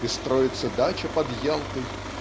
и строится дача под Ялтой